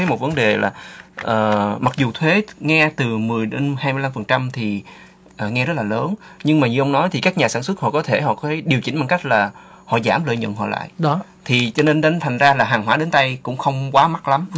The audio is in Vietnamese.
một vấn đề là ờ mặc dù thuế nghe từ mười đến hai mươi lăm phần trăm thì nghe rất là lớn nhưng mà như ông nói thì các nhà sản xuất họ có thể họ điều chỉnh bằng cách là họ giảm lợi nhuận họ lại đó thì chưa nên đánh thành ra là hàng hóa đến tay cũng không quá mắc lắm